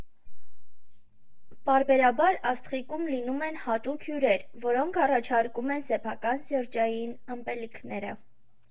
Պարբերաբար «Աստղիկում» լինում են հատուկ հյուրեր, որոնք առաջարկում են սեփական սրճային ըմպելիքները։